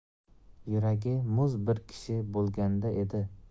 yuragi muz bir kishi bo'lganda edi